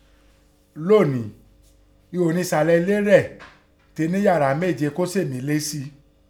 Lónìí, ihò nísàlẹ̀ ilẹ̀ẹ rẹ̀ tẹ ní yàrá méje kó sèè mí lé sí i.